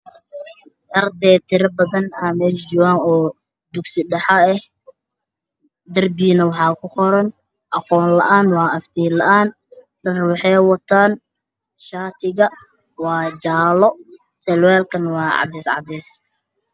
Halkaan waxaa ka muuqdo arday waxay qabaan shaati jaalo iyo surwaal cadays ah